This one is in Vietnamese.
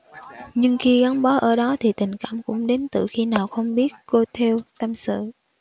nhưng khi gắn bó ở đó thì tình cảm cũng đến tự khi nào không biết cô thêu tâm sự